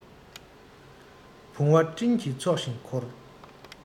བུང བ སྤྲིན གྱི ཚོགས བཞིན འཁོར